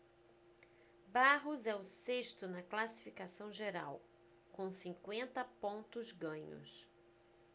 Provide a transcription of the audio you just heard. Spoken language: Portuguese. barros é o sexto na classificação geral com cinquenta pontos ganhos